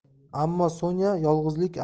ammo sonya yolg'izlik